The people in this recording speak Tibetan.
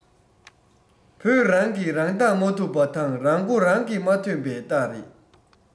བོད རང གིས རང བདག མ ཐུབ པ དང རང མགོ རང གིས མ ཐོན པའི རྟགས རེད